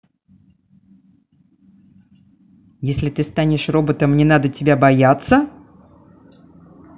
если ты станешь роботом мне надо тебя бояться